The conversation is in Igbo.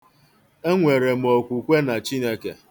Enwere m okwukwe na Chineke.